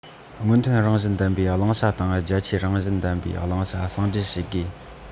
སྔོན ཐོན རང བཞིན ལྡན པའི བླང བྱ དང རྒྱ ཆེའི རང བཞིན ལྡན པའི བླང བྱ ཟུང འབྲེལ བྱེད དགོས